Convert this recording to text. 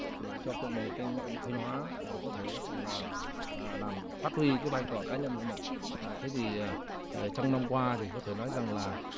để cho cộng đồng tranh luận ở thanh hóa có thể là mà làm phát huy vai trò cá nhân của mình à thế thì trong năm qua thì có thể nói rằng là